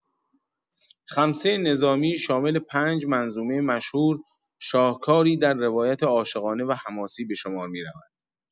خمسه نظامی، شامل پنج منظومه مشهور، شاهکاری در روایت عاشقانه و حماسی به شمار می‌رود.